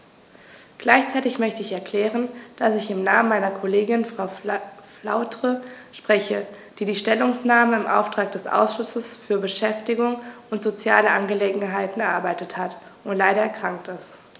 Gleichzeitig möchte ich erklären, dass ich im Namen meiner Kollegin Frau Flautre spreche, die die Stellungnahme im Auftrag des Ausschusses für Beschäftigung und soziale Angelegenheiten erarbeitet hat und leider erkrankt ist.